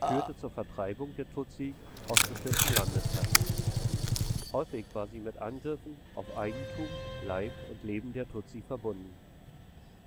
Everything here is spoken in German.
führte zur Vertreibung der Tutsi aus bestimmten Landesteilen. Häufig war sie mit Angriffen auf Eigentum, Leib und Leben der Tutsi verbunden.